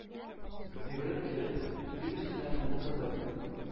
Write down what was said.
Йөгереп килеп, йөк өстенә менеп утырды.